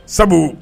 Sabu